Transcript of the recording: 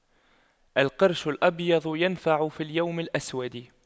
القرش الأبيض ينفع في اليوم الأسود